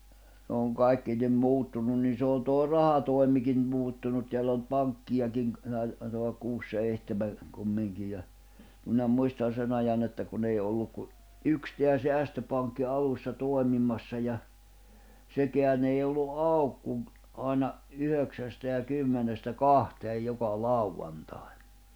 ne on kaikki niin muuttunut niin se on toi rahatoimikin muuttunut täällä on nyt pankkejakin -- taitaa olla kuusi seitsemän kumminkin ja minä muistan sen ajan että kun ei ollut kuin yksi tämä säästöpankki alussa toimimassa ja sekään ei ollut auki kuin - aina yhdeksästä ja kymmenestä kahteen joka lauantain